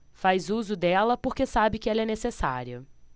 faz uso dela porque sabe que ela é necessária